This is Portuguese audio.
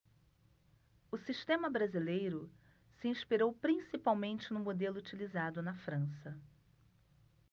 o sistema brasileiro se inspirou principalmente no modelo utilizado na frança